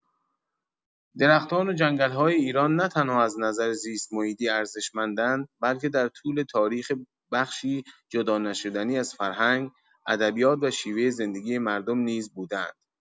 درختان و جنگل‌های ایران نه‌تنها از نظر زیست‌محیطی ارزشمندند، بلکه در طول تاریخ بخشی جدانشدنی از فرهنگ، ادبیات و شیوه زندگی مردم نیز بوده‌اند.